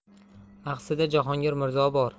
axsida jahongir mirzo bor